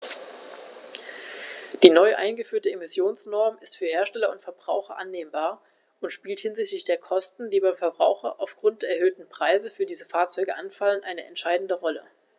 Die neu eingeführte Emissionsnorm ist für Hersteller und Verbraucher annehmbar und spielt hinsichtlich der Kosten, die beim Verbraucher aufgrund der erhöhten Preise für diese Fahrzeuge anfallen, eine entscheidende Rolle.